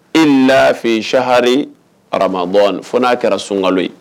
fo n'a kɛra suŋalo ye